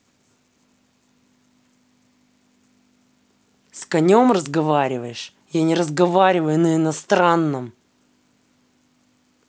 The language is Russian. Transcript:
с конем разговариваешь я не разговариваю на иностранном